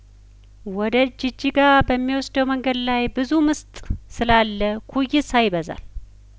ወደ ጂጂጋ በሚወስደው መንገድ ላይ ብዙ ምስጥ ስላለ ኩይሳ ይበዛል